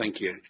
Thank you.